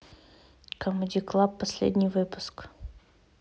камеди клаб последний выпуск